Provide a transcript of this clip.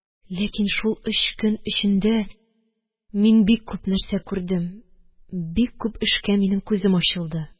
Ләкин шул өч көн эчендә мин бик күп нәрсә күрдем, бик күп эшкә минем күзем ачылды.